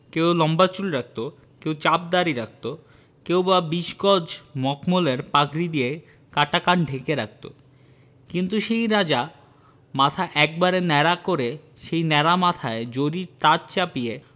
কেউ লম্বা চুল রাখতো কেউ চাপ দাড়ি রাখতো কেউ বা বিশ গজ মলমলের পাগড়ি দিয়ে কাটা কান ঢেকে রাখত কিন্তু সেই রাজা মাথা একবারে ন্যাড়া করে সেই ন্যাড়া মাথায় জরির তাজ চাপিয়ে